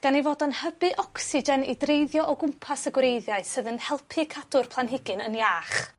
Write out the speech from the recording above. gan 'i fod yn hybu ocsigen i dreiddio o gwmpas y gwreiddiau sydd yn helpu cadw'r planhigyn yn iach.